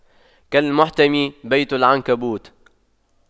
كالمحتمي ببيت العنكبوت